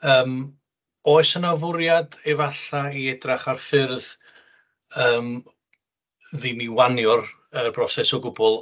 Yym, oes yna fwriad efallai i edrych ar ffyrdd, yym, ddim i wanio'r y broses o gwbl...